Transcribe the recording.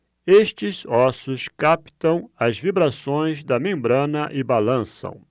estes ossos captam as vibrações da membrana e balançam